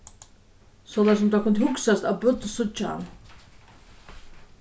soleiðis sum tað kundi hugsast at børn síggja hann